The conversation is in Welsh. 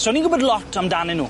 So ni'n gwbod lot amdanyn nw.